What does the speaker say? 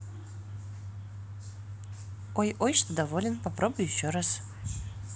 ой ой что доволен попробуй еще раз